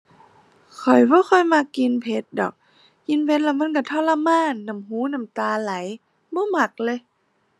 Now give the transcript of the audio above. ข้อยบ่ค่อยมักกินเผ็ดดอก กินเผ็ดแล้วมันก็ทรมานน้ำหูน้ำตาไหลบ่มักเลย